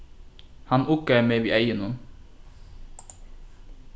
hann uggaði meg við eygunum